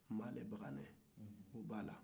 malɛbaganɛ o b'a la